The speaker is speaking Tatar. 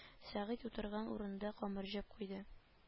Сәгыйть утырган урынында кымырҗып куйды